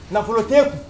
Nafolo tɛ kun